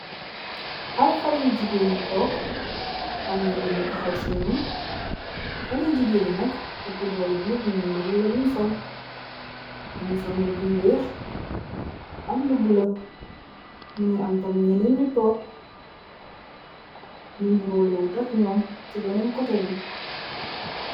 Ay xaley jigeen yu took am ñenneen ñu taxaw ci ñoom xal y jigéeni nak boppu doole biib ñuni ndurule luñ sol mingi sol mba buy weex am lugu la mu ngi am tam ñeneen ñu took ñu nduruulewut tag ñoom ci beneen kote bi.